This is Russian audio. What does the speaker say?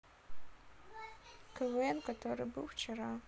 квн который был вчера